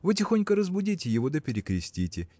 вы тихонько разбудите его да перекрестите